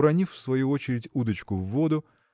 уронив в свою очередь удочку в воду.